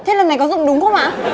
lần này có dùng đúng không ạ